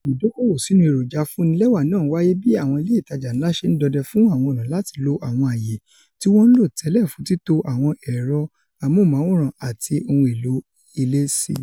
Ìdókòòwò sínú èròjà afúnnilẹ́wà náà ńwáyé bí àwọn ilé ìtajà ńlá ṣe ńdọdẹ fún àwọn ọ̀nà láti lo àwọn àayè tí wọn ńlò tẹ́lẹ̀ fún títo àwọn ẹ̀rọ amóhùnmáwòrán àti ohun èlò ilé sí.